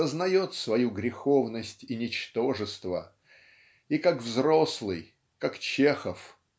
сознает свою греховность и ничтожество и как взрослый как Чехов